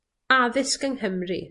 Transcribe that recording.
Addysg yng Nghymru.